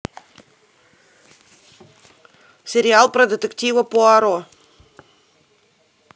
сериал про детектива пуаро